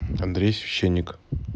андрей священник